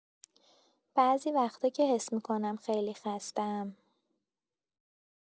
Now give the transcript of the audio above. بعضی وقتا که احساس می‌کنم خیلی خسته‌ام.